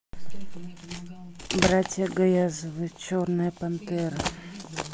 братья гаязовы черная пантера